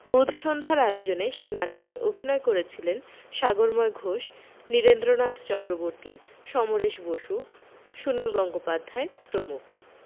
বুধসন্ধ্যার আয়োজনে সে নাটকে অভিনয় করেছিলেন সাগরময় ঘোষ নীরেন্দ্রনাথ চক্রবর্তী সমরেশ বসু সুনীল গঙ্গোপাধ্যায় প্রমুখ